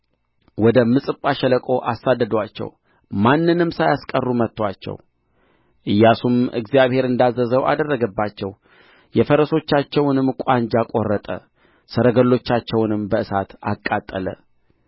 ወደ ምጽጳ ሸለቆ አሳደዱአቸው ማንንም ሳያስቀሩ መቱአቸው ኢያሱም እግዚአብሔር እንዳዘዘው አደረገባቸው የፈረሶቻቸውንም ቋንጃ ቈረጠ ሰረገሎቻቸውንም በእሳት አቃጠለ